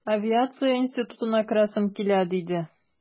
Авиация институтына керәсем килә, диде...